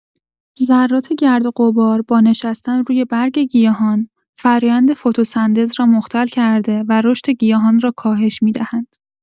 ذرات گرد و غبار با نشستن روی برگ گیاهان، فرایند فتوسنتز را مختل کرده و رشد گیاهان را کاهش می‌دهند.